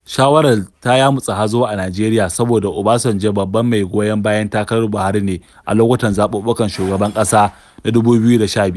Shawarar ta yamutsa hazo a Najeriya saboda Obasanjo babban mai goyon bayan takarar Buhari ne a lokutan zaɓuɓɓukan shugaban ƙasa na 2015.